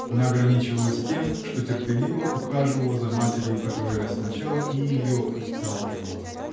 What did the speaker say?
Она ограничивалась тем, что терпеливо ухаживала за матерью, которая сначала и ее отталкивала.